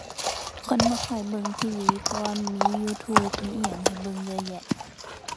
คนบ่ค่อยเบิ่ง TV เพราะว่ามี YouTube มีอิหยังให้เบิ่งเยอะแยะ